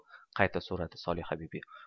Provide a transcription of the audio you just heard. qayta so'radi solihabibi